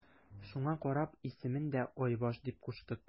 Шуңа карап исемен дә Айбаш дип куштык.